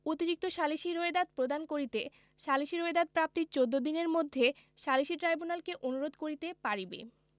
অতিরিক্ত সালিসী রোয়েদাদ প্রদান করিতে সালিসী রোয়েদাদ প্রাপ্তির চৌদ্দ দিনের মধ্যে সালিসী ট্রাইব্যূনালকে অনুরোধ করিতে পারিবে